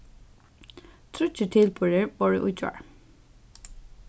tríggir tilburðir vóru í gjár